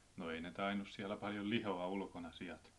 no ei ne tainnut siellä päin jo lihoa ulkona siat